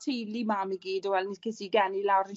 tulu mam i gyd a wel n- ces i geni lawr yn